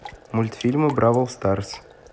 мультфильмы бравл старс